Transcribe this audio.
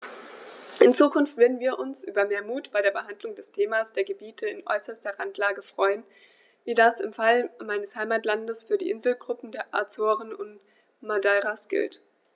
In Zukunft würden wir uns über mehr Mut bei der Behandlung des Themas der Gebiete in äußerster Randlage freuen, wie das im Fall meines Heimatlandes für die Inselgruppen der Azoren und Madeiras gilt.